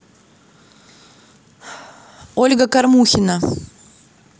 ольга кормухина